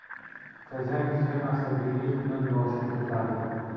tajang kishi asabiylik bilan boshini ko'tardi